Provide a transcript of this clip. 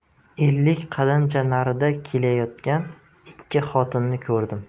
ellik qadamcha narida kelayotgan ikki xotinni ko'rdim